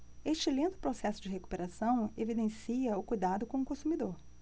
este lento processo de recuperação evidencia o cuidado com o consumidor